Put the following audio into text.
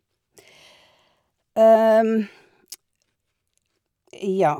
Ja.